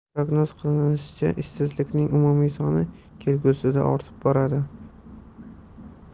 prognoz qilinishicha ishsizlarning umumiy soni kelgusida ortib boradi